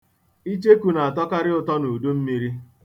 Icheku na-atọkarị ụtọ n'udummiri.